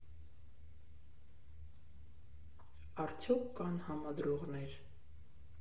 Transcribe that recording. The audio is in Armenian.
Արդյո՞ք կան համադրողներ։